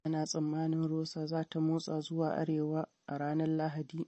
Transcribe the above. Ana tsammanin Rosa za ta motsa zuwa arewa a ranar Lahadi.